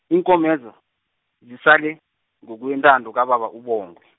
iinkomezo, zisale, ngokwentando kababa uBong- .